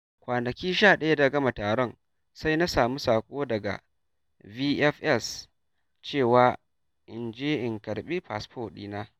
Kwanaki 11 da gama taron, sai na sami saƙo daga VFS cewa in je in karɓi fasfo ɗi na.